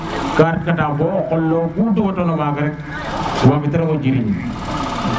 ka ret kata bo o qol lewo ku dufa tona maga rek waga ti rago jiriñ